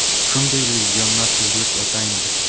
Шундый легионнар төзелеп ята инде.